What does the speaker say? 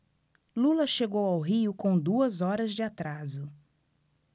lula chegou ao rio com duas horas de atraso